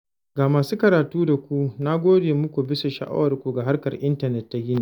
Ga masu karatu da ku, na gode muku bisa sha'awarku ga harkar intanet ta Guinea.